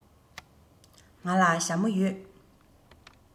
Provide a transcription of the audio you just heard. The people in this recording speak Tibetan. ང ལ ཞྭ མོ ཡོད